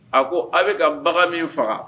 A ko a bɛ ka bagan min faga